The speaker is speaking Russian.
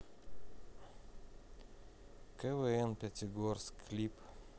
квн пятигорск клип